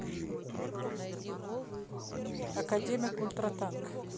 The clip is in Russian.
академик ультратанк